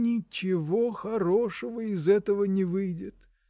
— Ничего хорошего из этого не выйдет.